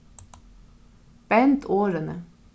bend orðini